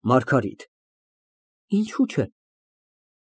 ՄԱՐԳԱՐԻՏ ֊ Ինչո՞ւ չէ։